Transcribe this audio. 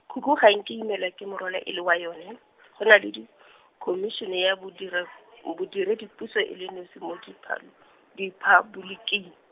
khukhu ga e nke e imelwa ke morwalo e le wa yone, go na le di , Khomisene ya bodire-, bodiredi puso e le nosi mo dipha-, diphaboliki-.